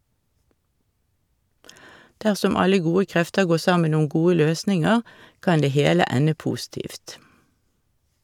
Dersom alle gode krefter går sammen om gode løsninger, kan det hele ende positivt.